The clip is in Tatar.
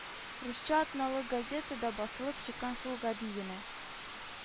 Русча атналык газетада басылып чыккан шул гади генә